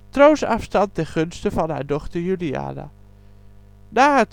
troonsafstand ten gunste van haar dochter Juliana. Na